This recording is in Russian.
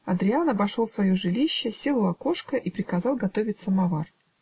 Адриян обошел свое жилище, сел у окошка и приказал готовить самовар.